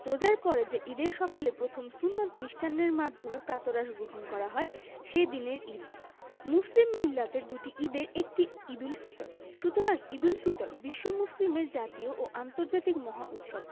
রোজার পরে যে ঈদের সকালে প্রথম সুন্নত মিষ্টান্নের মাধ্যমে প্রাতরাশ গ্রহণ করা হয় সে দিনের ঈদ মুসলিম মিল্লাতের দুটি ঈদের একটি ঈদুল ফিতর সুতরাং ঈদুল ফিতর বিশ্ব মুসলিমের জাতীয় ও আন্তর্জাতিক মহা উৎসব